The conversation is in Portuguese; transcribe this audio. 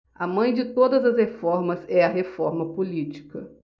a mãe de todas as reformas é a reforma política